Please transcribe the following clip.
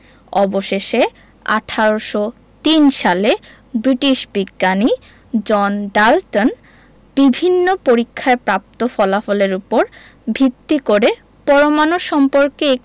অবশেষে 1803 সালে ব্রিটিশ বিজ্ঞানী জন ডাল্টন বিভিন্ন পরীক্ষায় প্রাপ্ত ফলাফলের উপর ভিত্তি করে পরমাণু সম্পর্কে একটি